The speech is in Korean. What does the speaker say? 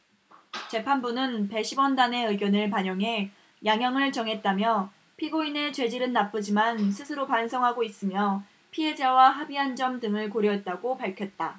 재판부는 배심원단의 의견을 반영해 양형을 정했다며 피고인의 죄질은 나쁘지만 스스로 반성하고 있으며 피해자와 합의한 점 등을 고려했다고 밝혔다